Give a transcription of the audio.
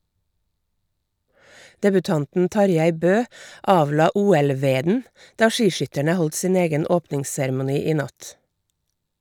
Debutanten Tarjei Bø avla "OL-veden" da skiskytterne holdt sin egen åpningsseremoni i natt.